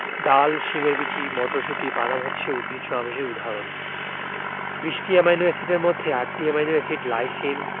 ডাল শিমের বিচি মটরশুঁটি বাদাম হচ্ছে উদ্ভিজ্জ আমিষের উদাহরণ ২০টি অ্যামাইনো এসিডের মধ্যে ৮টি অ্যামাইনো এসিড লাইসিন